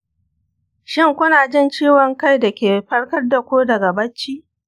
shin ku na jin ciwon kai da ke farkar daku daga bacci?